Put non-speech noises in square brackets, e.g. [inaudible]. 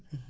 [hesitation] [hesitation]